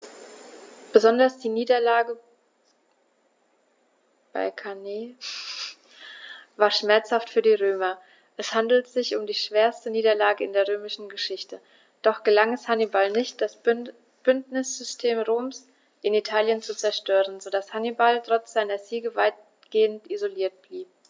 Besonders die Niederlage bei Cannae war schmerzhaft für die Römer: Es handelte sich um die schwerste Niederlage in der römischen Geschichte, doch gelang es Hannibal nicht, das Bündnissystem Roms in Italien zu zerstören, sodass Hannibal trotz seiner Siege weitgehend isoliert blieb.